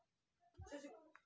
включи все матчи хоккейного клуба